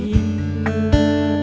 cương